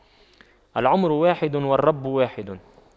العمر واحد والرب واحد